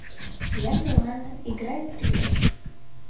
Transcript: я милана играет привет